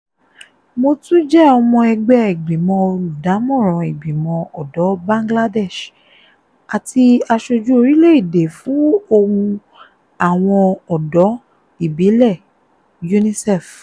Mo tún jẹ́ ọmọ ẹgbẹ́ ìgbìmọ̀ olùdámọ̀ràn Ìgbìmọ̀ Ọ̀dọ́ Bangladesh, àti Aṣojú Orílẹ̀-èdè fún Ohùn àwọn Ọ̀dọ́ Ìbílẹ̀ UNICEF.